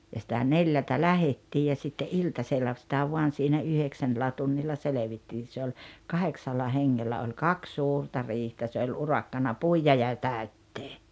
ja sitä neljältä lähdettiin ja sitten iltasella sitä vain siinä yhdeksännellä tunnilla selvittiin se oli kahdeksalla hengellä oli kaksi suurta riihtä se oli urakkana puida ja täyttää